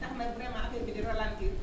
tax nag vraiment affaire bi di relentir